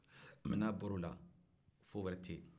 mɛ n'a bor'o la foyi tɛ yen